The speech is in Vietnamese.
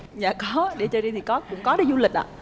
dạ có đi chơi riêng thì có cũng có đi du lịch ạ